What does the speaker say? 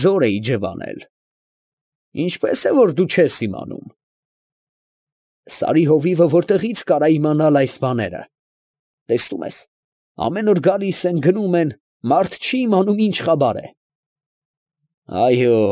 Ձոր) է իջևանել, ֊ պատասխանեց ձիավորը։ ֊ Ի՞նչպես է, որ դու չես իմանում։ ֊ Սարի հովիվը ո՞րտեղից կարա իմանալ այս բաները. տեսնում ես, ամեն օր գալիս են, գնում են, մարդ չի իմանում ի՛նչ խաբար է։ ֊